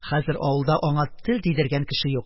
Хәзер авылда аңа тел тидергән кеше юк,